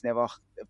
hefo